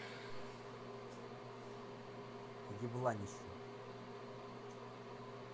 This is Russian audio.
ебланище